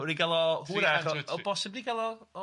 Wedi gael o hwyrach o o bosib di gael o o.